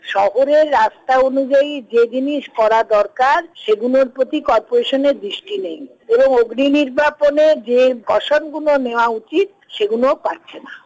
শহরের রাস্তাঘাট অনুযায়ী যে জিনিস করা দরকার সেগুনোর প্রতি কর্পোরেশনের দৃষ্টি নেই এবং অগ্নি নির্বাপন এ যে কসন গুলো নেয়া উচিত সেগুলো পারছেনা